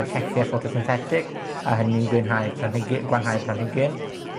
y celle ffotosynthetig, a hynny'n gwenhau'r planhigy-, gwanhau'r planhigyn.